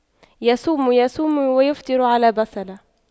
يصوم يصوم ويفطر على بصلة